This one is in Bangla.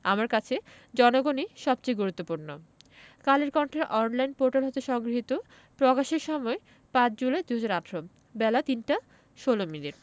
আমার কাছে জনগণই সবচেয়ে গুরুত্বপূর্ণ কালের কন্ঠের অনলাইন পোর্টাল হতে সংগৃহীত প্রকাশের সময় ৫ জুলাই ২০১৮ বেলা ৩টা ১৬ মিনিট